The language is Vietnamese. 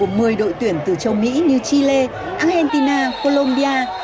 của mười đội tuyển từ châu mỹ như chi lê ác hen ti na cô lôm bi a